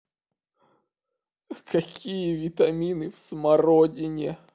какие витамины в смородине